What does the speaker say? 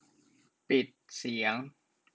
ปิดเสียง